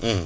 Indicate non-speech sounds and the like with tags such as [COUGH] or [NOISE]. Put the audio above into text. [HESITATION] [HESITATION]